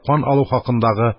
Кан алу хакындагы